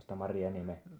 tuosta Marjaniemen